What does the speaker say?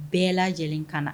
Bɛɛ lajɛlen ka na